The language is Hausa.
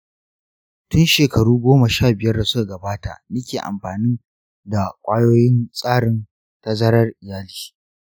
tun shekaru goma sha biyar da su ka gabata nike amfanin da ƙwayoyin tsarin tazarar iyali